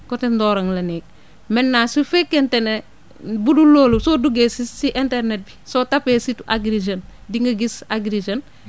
côté Ndorong la nekk maintenant su fekkente ne bu dul loolu soo duggee si si internet bi soo tapé site agri Jeunes di nga gis Agri Jeunes